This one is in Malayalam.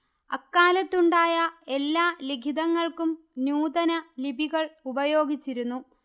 അക്കാലത്തുണ്ടായ എല്ലാ ലിഖിതങ്ങൾക്കും നൂതന ലിപികൾ ഉപയോഗിച്ചിരുന്നു